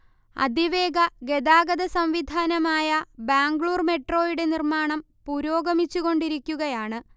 അതിവേഗ ഗതാഗത സംവിധാനമായ ബാംഗ്ലൂർ മെട്രോയുടെ നിർമ്മാണം പുരോഗമിച്ചു കൊണ്ടിരിക്കുകയാണ്